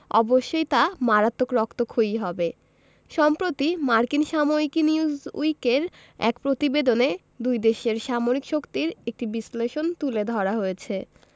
অবশ্যই তা মারাত্মক রক্তক্ষয়ী হবে সম্প্রতি মার্কিন সাময়িকী নিউজউইকের এক প্রতিবেদনে দুই দেশের সামরিক শক্তির একটি বিশ্লেষণ তুলে ধরা হয়েছে